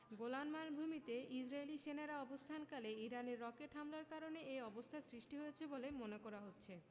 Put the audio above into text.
Golan মালভূমিতে ইসরায়েলি সেনারা অবস্থানকালে ইরানের রকেট হামলার কারণে এ অবস্থার সৃষ্টি হয়েছে বলে মনে করা হচ্ছে